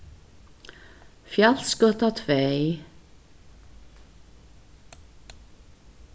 fjalsgøta tvey